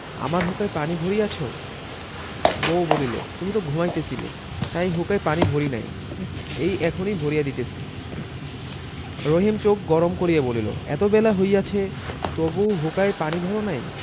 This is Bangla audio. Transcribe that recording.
আমার হুঁকায় পানি ভরিয়াছ বউ বলিল তুমি তো ঘুমাইতেছিলে তাই হুঁকায় পানি ভরি নাই এই এখনই ভরিয়া দিতেছি রহিম চোখ গরম করিয়া বলিল এত বেলা হইয়াছে তবু হুঁকায় পানির ভর নাই